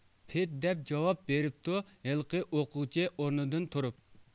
پېد دەپ جاۋاب بېرىپتۇ ھېلىقى ئوقۇغۇچى ئورنىدىن تۇرۇپ